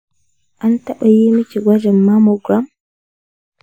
an taɓa yi miki gwajin mammogram?